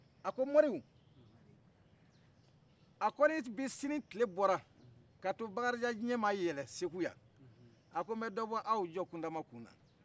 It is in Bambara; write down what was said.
a ko moriw a ko ni sinin tile bɔra ka to bakarijan ɲɛ ma yɛlɛn segu yan a ko nbɛ dɔ bɔ aw jɔkundama la